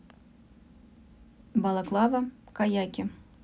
балаклава каяки